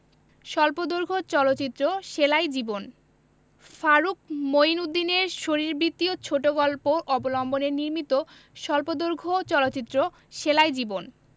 স্বল্পদৈর্ঘ্য চলচ্চিত্র সেলাই জীবন ফারুক মইনউদ্দিনের শরীরবৃত্তীয় ছোট গল্প অবলম্বনে নির্মিত হল স্বল্পদৈর্ঘ্য চলচ্চিত্র সেলাই জীবন